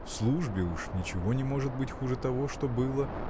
в службе уж ничего не может быть хуже того, что было